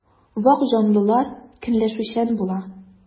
Вак җанлылар көнләшүчән була.